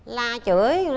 la chửi